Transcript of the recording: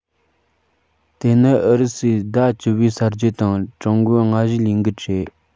དེ ནི ཨུ རུ སུའི ཟླ བ བཅུ པའི གསར བརྗེ དང ཀྲུང གོའི ལྔ བཞིའི ལས འགུལ རེད